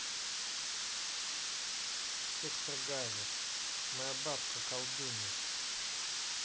сектор газа моя бабка колдунья